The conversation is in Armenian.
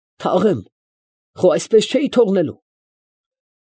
Թաղեմ։ Խո այսպես չէի թողնելու։